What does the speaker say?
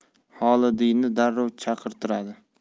xolidiyni darrov chaqirtiradi